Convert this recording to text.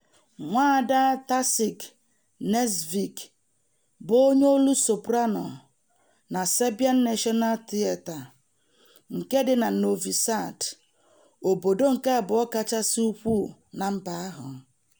Nwaada Tasić Knežević bụ onye olu soprano na Serbian National Theatre, nke dị na Novi Sad, obodo nke abụọ kachasị ukwuu na mba ahụ.